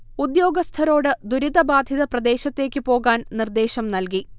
ഉദ്യോഗസഥരോട് ദുരിതബാധിത പ്രദേശത്തേക്ക് പോകാൻ നിർദേശം നൽകി